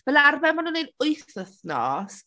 Fel arfer mae nhw'n wneud wyth wythnos.